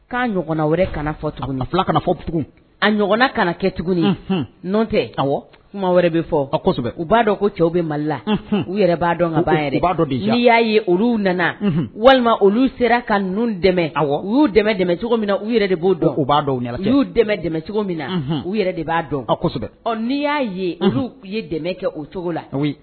K'a ɲɔgɔnna wɛrɛ kana fɔ fila fɔugu a ɲɔgɔnna ka kɛ tuguni nɔ tɛ aw kuma wɛrɛ bɛ fɔ kosɛbɛ u b'a dɔn ko cɛw bɛ malila u yɛrɛ b'a dɔn ka' yɛrɛ b' dɔn y'a ye olu nana walima olu sera ka n ninnu dɛmɛ a u y'u dɛmɛ dɛmɛ cogo min na u yɛrɛ de b'o dɔn u b'a dɔn ɲa dɛmɛ dɛmɛ cogo min na u yɛrɛ de b'a dɔn ɔ n'i y'a ye olu ye dɛmɛ kɛ o cogo la